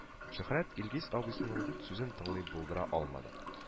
Шөһрәт Илгиз абыйсының сүзен тыңлый булдыра алмады